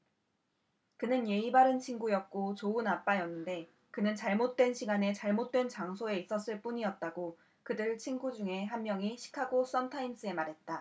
그는 예의 바른 친구였고 좋은 아빠였는데 그는 잘못된 시간에 잘못된 장소에 있었을 뿐이었다고 그들 친구 중 한 명이 시카고 선타임스에 말했다